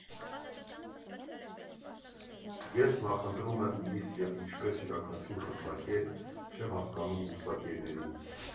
Ես նախընտրում եմ միս և ինչպես յուրաքանչյուր մսակեր, չեմ հասկանում բուսակերներին։